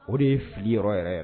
O de ye fili yɔrɔ yɛrɛ ye.